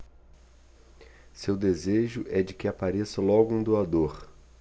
seu desejo é de que apareça logo um doador